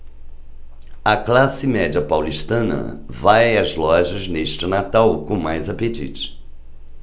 a classe média paulistana vai às lojas neste natal com mais apetite